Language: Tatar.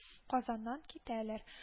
Казаннан китәләр